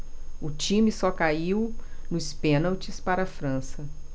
o time só caiu nos pênaltis para a frança